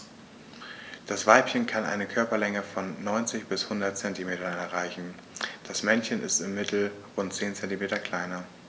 Das Weibchen kann eine Körperlänge von 90-100 cm erreichen; das Männchen ist im Mittel rund 10 cm kleiner.